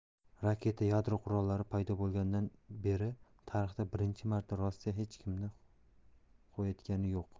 raketa yadro qurollari paydo bo'lganidan beri tarixda birinchi marta rossiya hech kimni quvayotgani yo'q